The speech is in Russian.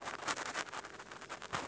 ютуб карт